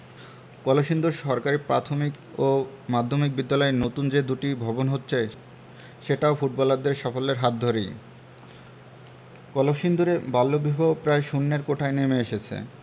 কলসিন্দুর সরকারি প্রাথমিক ও মাধ্যমিক বিদ্যালয়ে নতুন যে দুটি ভবন হচ্ছে সেটিও ফুটবলারদের সাফল্যের হাত ধরেই কলসিন্দুরে বাল্যবিবাহ প্রায় শূন্যের কোঠায় নেমে এসেছে